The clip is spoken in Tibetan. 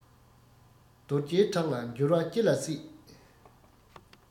རྡོ རྗེའི བྲག ལ འགྱུར བ ཅི ལ སྲིད